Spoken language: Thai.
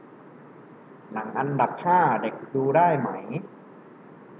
หนังอันดับห้าเด็กดูได้ไหม